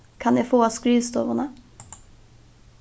kann eg fáa skrivstovuna